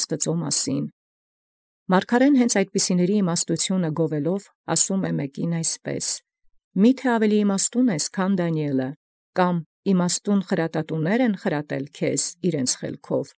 Զորոց և մարգարէին իսկ գովեալ զիմաստութիւնն, ասէր ցոմն այսպէս. «Մի՛թէ իմաստնագո՞յն իցես քան զԴանիէլ. կամ իմաստո՞ւնք խրատտուք խրատեցին զքեզ հանճարով իւրեանցե։